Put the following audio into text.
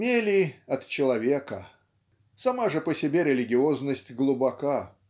Мели - от человека; сама же по себе религиозность глубока.